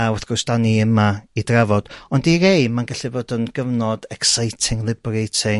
a wrth gwrs 'da ni yma i drafod ond i rei ma'n gallu bod yn gyfnod exciting liberating